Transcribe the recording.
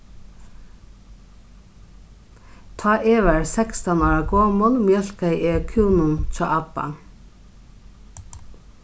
tá eg var sekstan ára gomul mjólkaði eg kúnum hjá abba